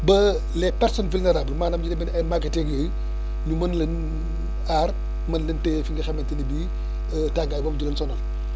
ba les personnes vulnérables maanaam ñu de mel ni ay màgget yeeg yooyu ñu mën leen aar mën leen téye fi nga xamante ni bii tàngaay boobu du leen sonal